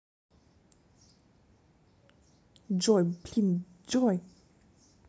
джой блин джой